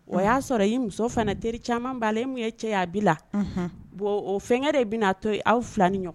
O y'a sɔrɔ i muso fana teri caman b'a mun ye cɛ a bi la bɔn o fɛnkɛ de bɛna'a to aw filan ni ɲɔgɔn